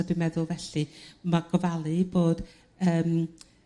A dwi'n meddwl felly ma' gofalu bod yrm